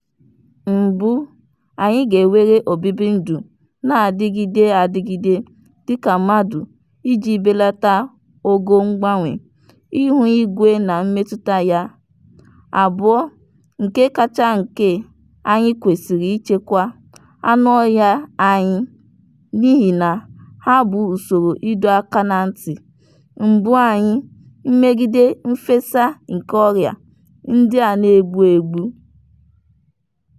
"Mbụ, anyị ga-ewere obibindụ na-adịgide adịgide dịka mmadụ iji belata ogo mgbanwe ihuigwe na mmetụta ya; abụọ, nke kacha nke, anyị kwesịrị ichekwa anụọhịa anyị n'ihina ha bụ usoro ịdọ aka ná ntị mbụ anyị megide mfesa nke ọrịa ndị a na-egbu egbu. "